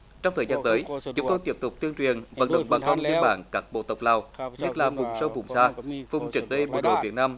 trong thời gian tới chúng tôi tiếp tục tuyên truyền vận động bà con bên bản các bộ tộc lào nhất là vùng sâu vùng xa vùng trước đây bộ đội việt nam